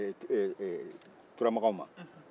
ee ee ee turamaganw ma